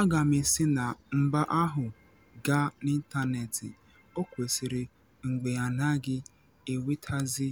Aga m esi na mba ahụ gaa n'ịntaneet ọ kwesịsị mgbe anaghị ewetezi